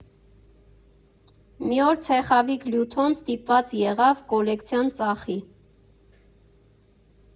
Մի օր ցեխավիկ Լյութոն ստիպված եղավ կոլեկցիան ծախի։